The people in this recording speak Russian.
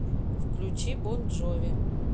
включи бон джови